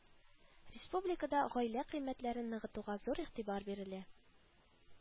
Республикада гаилә кыйммәтләрен ныгытуга зур игътибар бирелә